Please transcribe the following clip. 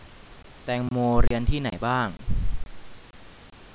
แตงโมเรียนที่ไหนบ้าง